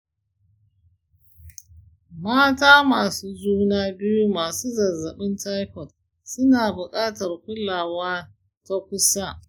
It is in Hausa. mata masu juna biyu masu zazzabin taifot suna buƙatar kulawa ta kusa.